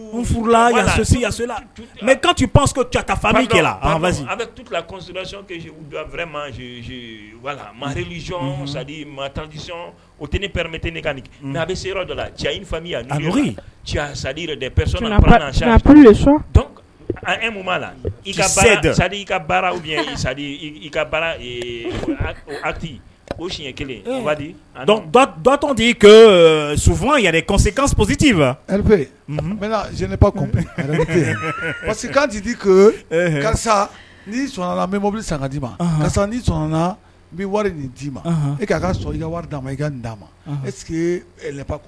Sidi tan o tɛɛ dɔ la cɛ la i ka sa ka i kati o siɲɛ kelen ba tɔgɔ tɛ sof yɛrɛse kapsi tɛp n bɛna z parcesi karisa ni sɔnnalabili san ka d ma karisa n bɛ wari nin d'i ma e ka ka sɔn i ka wari'a ma i ka nin d'a ma e